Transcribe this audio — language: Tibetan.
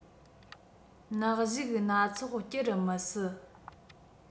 ནག གཞུག སྣ ཚོགས བསྐྱུར མི སྲིད